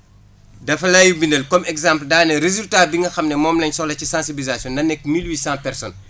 daf lay bindal comme exemple daa ne résultat bi nga xam ne moom la ñu soxla ci sensibilisation na nekk mille huit cent personnes